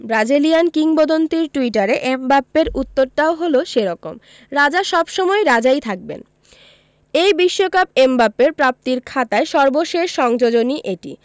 Brazilian কিংবদন্তির টুইটারে এমবাপ্পের উত্তরটাও হলো সে রকম রাজা সব সময় রাজাই থাকবেন এই বিশ্বকাপ এমবাপ্পের প্রাপ্তির খাতায় সর্বশেষ সংযোজনই এটি